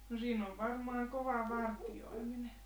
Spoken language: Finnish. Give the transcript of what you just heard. no siinä oli varmaan kova vartioiminen